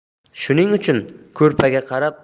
shuning uchun ko'rpaga qarab